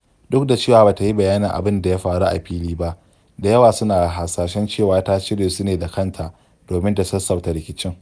Duk da cewa ba ta yi bayanin abin da ya faru a fili ba, da yawa suna hasashen cewa ta cire su ne da kanta domin ta sassauta rikicin.